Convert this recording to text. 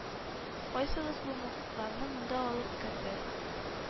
-кайсыгыз бу мокытларны монда алып керде,